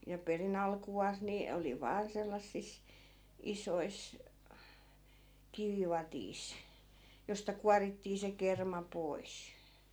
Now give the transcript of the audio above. ja perin alkuaan niin oli vain sellaisissa isoissa kivivadeissa josta kuorittiin se kerma pois